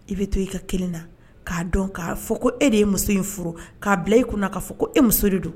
I bɛ to i ka kelen na k'a dɔn' fɔ ko e de ye muso in furu k'a bila i kun'a fɔ ko e muso de don